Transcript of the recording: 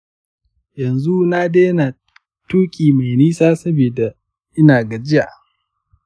yanzu na daina tuƙi mai nisa saboda ina gajiya.